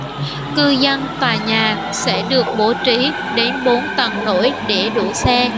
cư dân tòa nhà sẽ được bố trí đến bốn tầng nổi để đỗ xe